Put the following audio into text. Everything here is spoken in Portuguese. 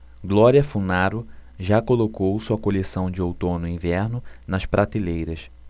glória funaro já colocou sua coleção de outono-inverno nas prateleiras